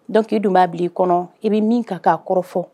Dɔnkili dun b'a bila kɔnɔ i bɛ min ka k'a kɔrɔfɔ fɔ